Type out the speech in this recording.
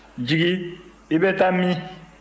jigi i bɛ taa min